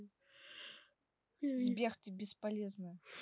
сбер ты бесполезная